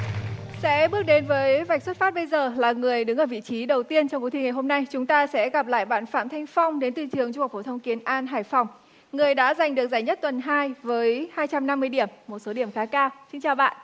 sẽ bước đến với vạch xuất phát bây giờ là người đứng ở vị trí đầu tiên trong cuộc thi ngày hôm nay chúng ta sẽ gặp lại bạn phạm thanh phong đến từ trường trung học phổ thông kiến an hải phòng người đã giành được giải nhất tuần hai với hai trăm năm mươi điểm một số điểm khá cao xin chào bạn